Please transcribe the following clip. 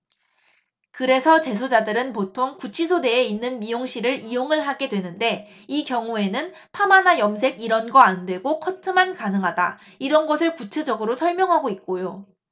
그래서 재소자들은 보통 구치소 내에 있는 미용실을 이용을 하게 되는데 이 경우에는 파마나 염색 이런 거 안 되고 커트만 가능하다 이런 것을 구체적으로 설명하고 있고요